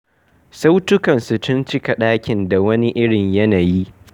Sautukansu sun cika ɗakin da wani irin yanayi.